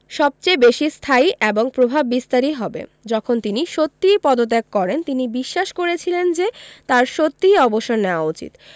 সবচেয়ে বেশি স্থায়ী এবং প্রভাববিস্তারী হবে যখন তিনি সত্যিই পদত্যাগ করেন তিনি বিশ্বাস করেছিলেন যে তাঁর সত্যিই অবসর নেওয়া উচিত